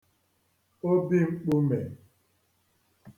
obi m̄kpùmè